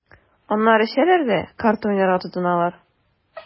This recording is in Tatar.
Аннары эчәләр дә карта уйнарга тотыналар.